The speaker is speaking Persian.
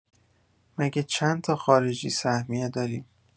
مگه چندتا خارجی سهمیه داریم؟